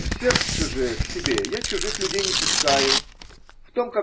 в сердце же к себе я чужих людей не пускаю: в том.